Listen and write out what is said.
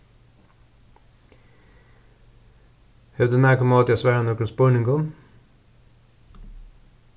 hevur tú nakað ímóti at svara nøkrum spurningum